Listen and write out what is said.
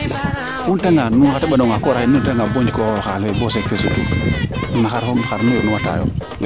nu ndeta nga bo xa teɓanong x qooraxe nu ndeta nga bo jikoox xaal fee no xar nu yond nuwa taayo